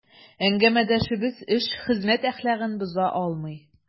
Әңгәмәдәшебез эш, хезмәт әхлагын боза алмый.